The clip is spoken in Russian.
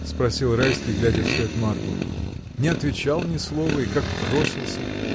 — спросил Райский, глядя вслед Марку, — не отвечал ни слова, и как бросился!